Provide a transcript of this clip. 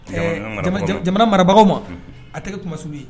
Ɛɛ, Jamana marabagaw ma, jamanamarabaw ma a tɛgɛ kuma suli